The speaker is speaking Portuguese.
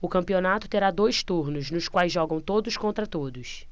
o campeonato terá dois turnos nos quais jogam todos contra todos